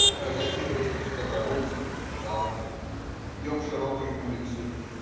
И казаки вместе с добровольцами -там. Идем широкой улицей.